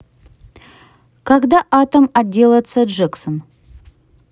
когда атом отделаться джексон